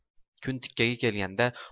kun tikkaga kelganda